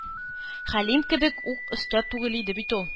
Хәлим кебек үк оста түгел бит ул...